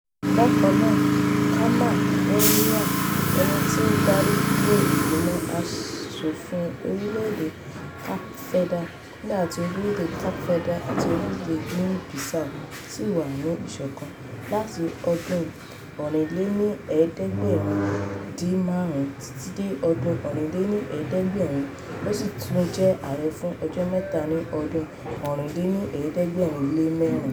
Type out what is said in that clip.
Bákan náà, Camen Pereira, ẹni tí ó dárí ilé ìgbìmọ̀ as òfin orílẹ̀ èdè Cape Verde (nígbà tí orílẹ̀ èdè Cape Verde àti orílẹ́ èdè Guinea Bissau sì wà ní ìṣọ̀kan) láti ọdún 1975 títí di ọdún 1980, ó sì tún jẹ ààrẹ fún ọjọ́ mẹ́ta ní ọdún 1984.